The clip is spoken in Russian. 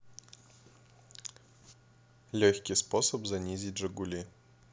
легкий способ занизить жигули